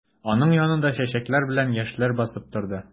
Аның янында чәчәкләр белән яшьләр басып торды.